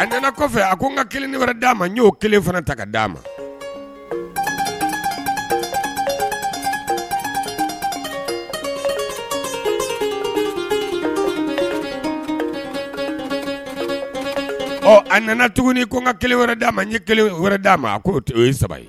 an nana kɔfɛ a ko n ka kelen ni wɛrɛ d'a ma y'o kelen fana ta ka d dia ma a nana tuguni ko n ka kelen wɛrɛ da ma ɲɛ wɛrɛ d'a ma o ye saba ye